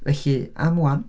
Felly am 'wan.